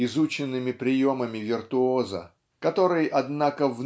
изученными приемами виртуоза который однако